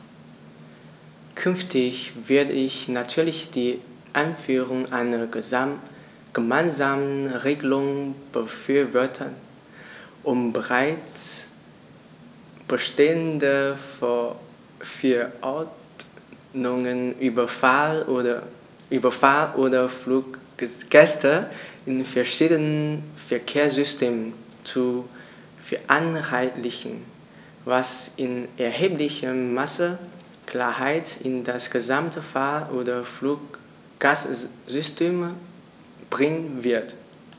Künftig würde ich natürlich die Einführung einer gemeinsamen Regelung befürworten, um bereits bestehende Verordnungen über Fahr- oder Fluggäste in verschiedenen Verkehrssystemen zu vereinheitlichen, was in erheblichem Maße Klarheit in das gesamte Fahr- oder Fluggastsystem bringen wird.